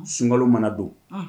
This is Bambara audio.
Sunkalo mana don